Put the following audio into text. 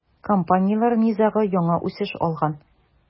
Компанияләр низагы яңа үсеш алган.